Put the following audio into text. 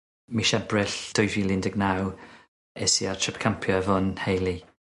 Mis Ebrill dwy fil un deg naw es i ar trip campio efo'n nheulu.